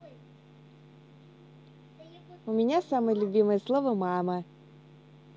у меня самое любимое слово мама